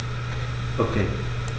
Okay.